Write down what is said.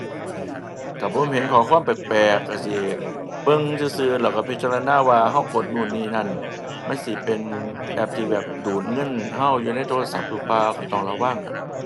ถ้าผมเห็นข้อความแปลกแปลกก็สิเบิ่งซื่อซื่อ แล้วก็พิจารณาว่าก็กดโน้นนี้นั้น มันสิเป็นแอปที่แบบดูดเงินก็อยู่ในโทรศัพท์หรือเปล่า ข้อยต้องระวังอะ